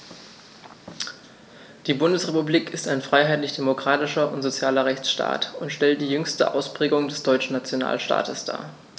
Die Bundesrepublik ist ein freiheitlich-demokratischer und sozialer Rechtsstaat und stellt die jüngste Ausprägung des deutschen Nationalstaates dar.